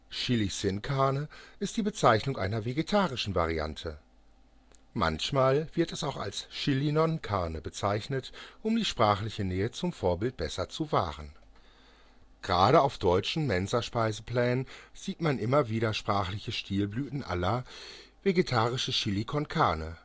Chili sin Carne ist die Bezeichnung einer vegetarischen Variante. Manchmal wird es auch als „ Chili non Carne “bezeichnet, um die sprachliche Nähe zum Vorbild besser zu wahren. Gerade auf deutschen Mensaspeiseplänen sieht man immer wieder sprachliche Stilblüten à la „ vegetarisches Chili con Carne